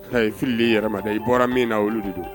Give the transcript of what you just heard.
A ye fili yɛlɛmamada i bɔra min na olu de don